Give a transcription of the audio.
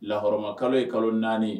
Lahaɔrɔma kalo ye kalo naani